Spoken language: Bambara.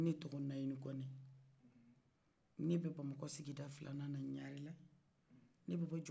ne tɔgɔye nayini kone ne be sigi da filana ɲarela